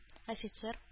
Офицер